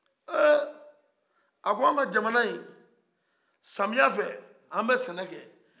e a ko anw ka jamana in sanmiyafɛ anw bɛ sɛnɛkɛ